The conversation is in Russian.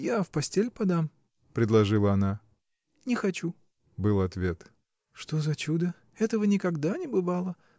— Я в постель подам, — предложила она. — Не хочу! — был ответ. — Что за чудо! Этого никогда не бывало!